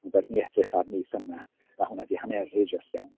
Ond erbyn i ni edrych ar mis yma mae hwnna di hanneru jyst iawn.